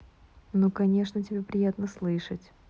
ну конечно тебе приятно слышать